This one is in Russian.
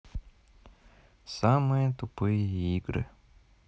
самые тупые игры